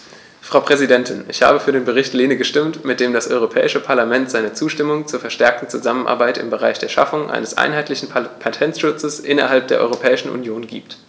Frau Präsidentin, ich habe für den Bericht Lehne gestimmt, mit dem das Europäische Parlament seine Zustimmung zur verstärkten Zusammenarbeit im Bereich der Schaffung eines einheitlichen Patentschutzes innerhalb der Europäischen Union gibt.